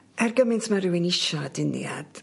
Er gymint ma' rywun isio aduniad